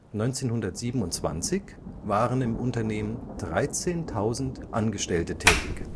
1927 waren im Unternehmen 13.000 Angestellte tätig